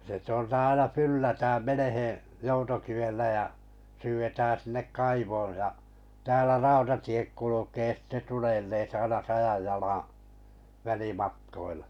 se tuolta aina ylhäältä menee joutokivellä ja syydetään sinne kaivoon ja täällä rautatiet kulkee sitten tulee - aina sadan jalan välimatkoilla